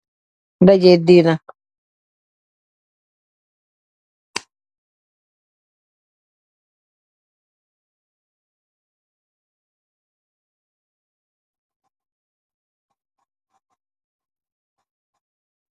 Ndejee diina